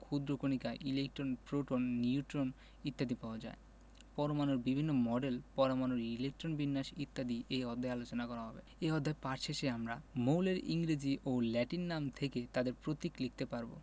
ক্ষুদ্র কণিকা electron proton neutron ইত্যাদি পাওয়া যায় পরমাণুর বিভিন্ন মডেল পরমাণুর ইলেকট্রন বিন্যাস ইত্যাদি এ অধ্যায়ে আলোচনা করা হবে এ অধ্যায় পাঠ শেষে আমরা মৌলের ইংরেজি ও ল্যাটিন নাম থেকে তাদের প্রতীক লিখতে পারব